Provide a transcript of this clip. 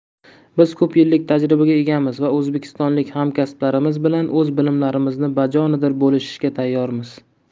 biz ko'p yillik tajribaga egamiz va o'zbekistonlik hamkasblarimiz bilan o'z bilimlarimizni bajonidil bo'lishishga tayyormiz